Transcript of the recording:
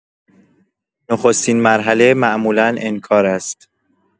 نخستین مرحله معمولا انکار است.